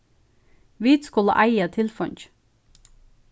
vit skulu eiga tilfeingið